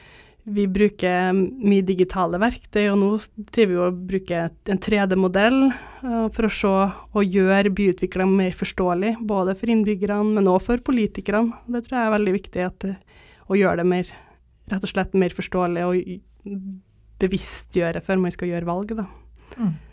vi bruker mye digitale verktøy og nå driver vi og bruker en tre-D-modell for å se og gjøre byutviklinga mer forståelig både for innbyggerne men òg for politikerne, det tror jeg er veldig viktig at å gjøre det mer rett og slett mer forståelig å bevisstgjøre før man skal gjøre valg da.